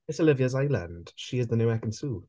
It's Olivia's island, she is the new Ekin-Su.